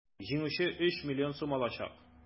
Җиңүче 3 млн сум алачак.